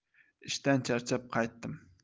ishdan charchab qaytdim